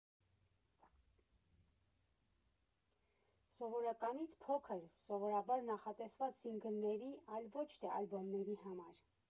Սովորականից փոքր, սովորաբար նախատեսված սինգլների, այլ ոչ թե ալբոմների համար։